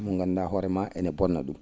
mo ganndu?aa hoore maa ene bonna ?um